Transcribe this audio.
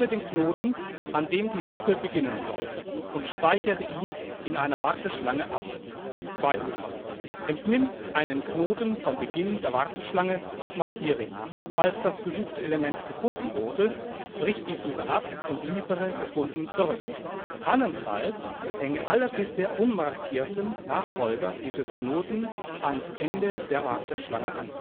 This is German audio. den Knoten, an dem die Suche beginnen soll, und speichere ihn in einer Warteschlange ab. Entnimm einen Knoten vom Beginn der Warteschlange und markiere ihn. Falls das gesuchte Element gefunden wurde, brich die Suche ab und liefere " gefunden " zurück. Anderenfalls hänge alle bisher unmarkierten Nachfolger dieses Knotens ans Ende der Warteschlange an